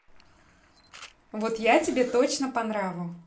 вот я тебе точно по нраву